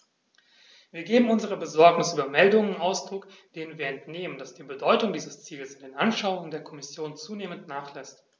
Wir geben unserer Besorgnis über Meldungen Ausdruck, denen wir entnehmen, dass die Bedeutung dieses Ziels in den Anschauungen der Kommission zunehmend nachlässt.